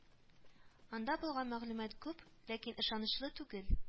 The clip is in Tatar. Анда булган мәгълүмат күп, ләкин ышанычлы түгел